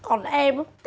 còn em